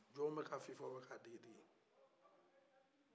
jɔnw bɛ ka fifa u bɛ k'a digidigi